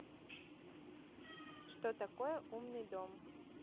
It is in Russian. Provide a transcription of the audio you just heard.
что такое умный дом